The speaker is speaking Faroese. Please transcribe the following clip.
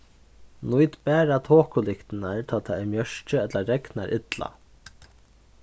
nýt bara tokulyktirnar tá tað er mjørki ella regnar illa